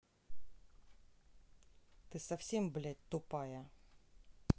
ты совсем блядь тупая